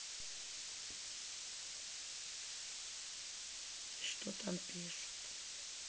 и что там пишут